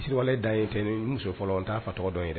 Sirawalelen da ye tɛ muso fɔlɔ n'a fa tɔgɔ dɔn yɛrɛ